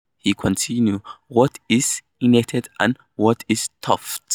He continued: 'What's innate and what's taught?